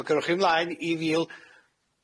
A 'wch chi mlaen i fil